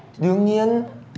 đương nhiên